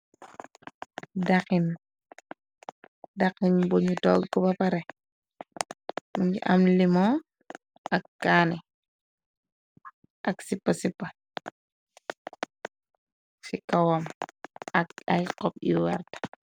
Daxiñ , daxiñ buñu togga ba pare mungi am limo ak kani ak sipa-sipa, ci kawam ak ay xop nu wert.